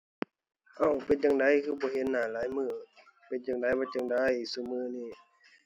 เอ้า เป็นจั่งใดคือบ่เห็นหน้าหลายมื้อ เป็นจั่งใดมาจั่งใดซุมื้อนี้